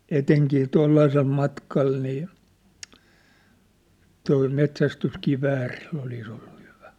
etenkin tuollaisella matkalla niin tuolla metsästyskiväärillä olisi ollut hyvä